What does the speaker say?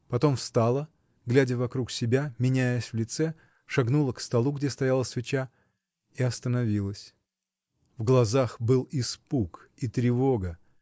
Потом встала, глядя вокруг себя, меняясь в лице, шагнула к столу, где стояла свеча, и остановилась. В глазах был испуг и тревога.